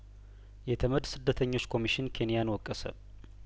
የተመድ ስደተኞች ኮሚሽን ኬንያን ወቀሰ